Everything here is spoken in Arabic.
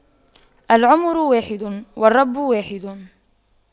العمر واحد والرب واحد